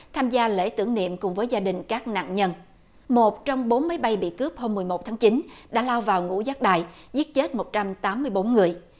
tham gia lễ tưởng niệm cùng với gia đình các nạn nhân một trong bốn máy bay bị cướp hôm mười một tháng chín đã lao vào ngũ giác đài giết chết một trăm tám mươi bốn người